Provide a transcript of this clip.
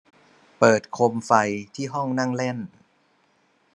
เปิดโคมไฟที่ห้องนั่งเล่น